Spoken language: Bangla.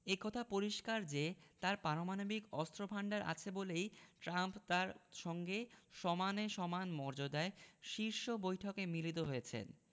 এ কথা পরিষ্কার যে তাঁর পারমাণবিক অস্ত্রভান্ডার আছে বলেই ট্রাম্প তাঁর সঙ্গে সমানে সমান মর্যাদায় শীর্ষ বৈঠকে মিলিত হয়েছেন